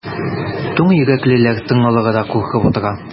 Туң йөрәклеләр тын алырга да куркып утыра.